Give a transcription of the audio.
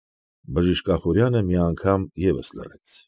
Բժիշկ Ախուրյանը մի անգամ ևս լռեց։